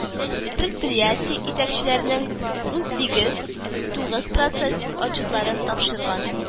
Предприятие итәкчеләренең унсигез тугыз проценты отчетларын тапшырган